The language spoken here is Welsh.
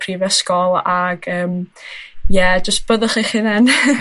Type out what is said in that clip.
prifysgol ag yym ie, jys byddwch eich hunen.